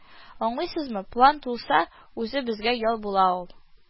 Аңлыйсызмы, план тулса, үзе безгә ял була ул